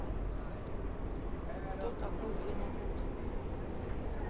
кто такой гена букин